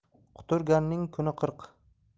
quturganning kuni qirq